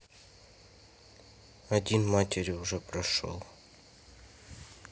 один матери уже прошел